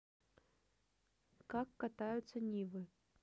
как катаются нивы